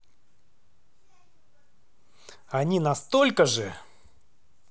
они настолько же